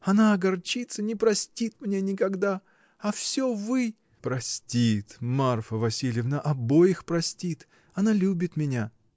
Она огорчится, не простит мне никогда, — а всё вы. — Простит, Марфа Васильевна! обоих простит. Она любит меня.